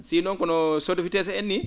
si non kono SODEFITEX en nii